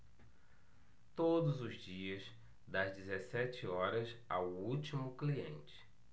todos os dias das dezessete horas ao último cliente